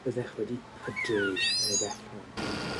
byddech wedi pydru yn y gell hon.